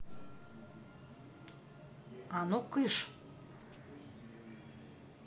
а ну кыш